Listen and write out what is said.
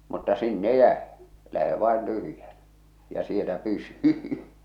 mutta sinne jäi lähde vain tyhjänä ja siellä pysy